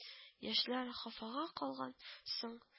Яшьләр хафага калган: соң